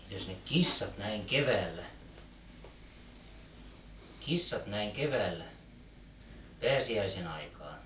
mitenkäs ne kissat näin keväällä kissat näin keväällä pääsiäisen aikaan